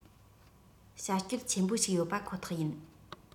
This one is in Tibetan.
བྱ སྤྱོད ཆེན པོ ཞིག ཡོད པ ཁོ ཐག ཡིན